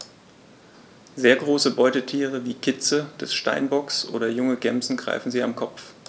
Sehr große Beutetiere wie Kitze des Steinbocks oder junge Gämsen greifen sie am Kopf.